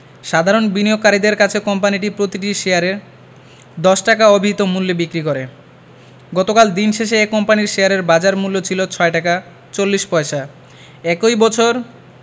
সাধারণ বিনিয়োগকারীদের কাছে কোম্পানিটি প্রতিটি শেয়ার এ ১০ টাকা অভিহিত মূল্যে বিক্রি করে গতকাল দিন শেষে এ কোম্পানির শেয়ারের বাজারমূল্য ছিল ৬ টাকা ৪০ পয়সা একই বছর